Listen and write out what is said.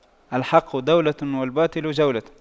الحق دولة والباطل جولة